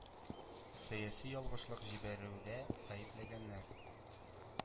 Сәяси ялгышлык җибәрүдә гаепләгәннәр.